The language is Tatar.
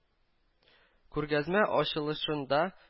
Күргәзмә ачылышында